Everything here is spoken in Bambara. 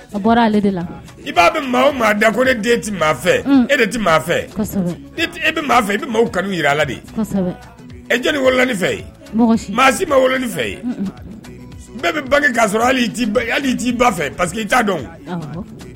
A bɔra ale la i b'a bɛ maa maa da ko ne den tɛ maa fɛ e de tɛ maa fɛ e bɛ fɛ i bɛ maa kanu jirala de e jni wololain fɛ yen maa si ma wololin fɛ yen ne bɛ bange k'a hali t'i ba fɛ paseke i t' dɔn